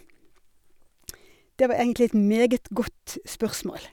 Det var egentlig et meget godt spørsmål.